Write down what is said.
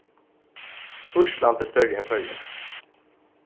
ísland er størri enn føroyar